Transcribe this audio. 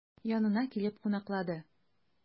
Янына килеп кунаклады.